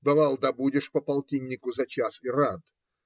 Бывало, добудешь по полтиннику за час - и рад.